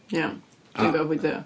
Iawn... a... ...dwi'n gwybod pwy 'di o.